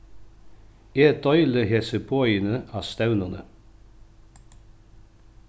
eg deili hesi boðini á stevnuni